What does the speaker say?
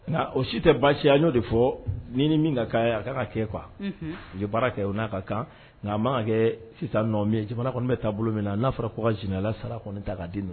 Nka o si tɛ baasiya'o de fɔ ni ni min ka a ka ka kɛ qu u ye baara kɛ u n'a ka kan nka a man kɛ sisan nɔmi jamana kɔni bɛ' bolo min n'a fɔra ko ka jla sara kɔni ta'a di